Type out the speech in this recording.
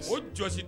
O jɔn si